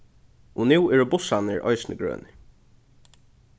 og nú eru bussarnir eisini grønir